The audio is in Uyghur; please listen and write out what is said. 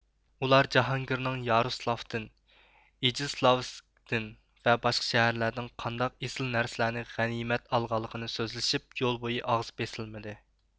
ئۇلار جاھانگىرنىڭ يارۇسلافدىن ئىجېسلاۋسكتىن ۋە باشقا شەھەرلەردىن قانداق ئېسىل نەرسىلەرنى غەنىيمەت ئالغانلىقىنى سۆزلىشىپ يول بويى ئاغزى بېسىلمىدى